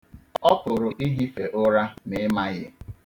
Ọ pụrụ ihife ụra ma ị maghị.